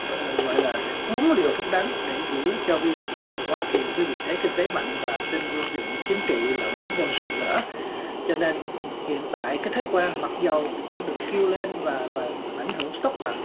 gọi là uống liều thuốc đắng để giữ cho hoa kỳ với vị thế kinh tế mạnh và trên phương diện chính trị lẫn quân sự nữa cho nên hiện tại cái thế quen mặc dầu đã được kêu lên và ảnh hưởng sức mạnh